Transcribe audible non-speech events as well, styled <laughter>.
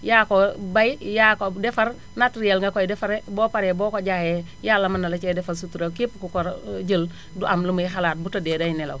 yaa ko bay yaa ko defar materiel nga koy defaree boo paree boo ko jaayee Yàlla mën na la cee defal sutura képp ku ko <hesitation> jël du am lu muy xalaat bu tëddee day nelaw